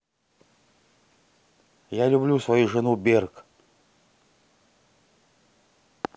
я люблю свою жену берг